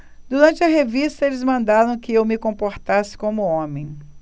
durante a revista eles mandaram que eu me comportasse como homem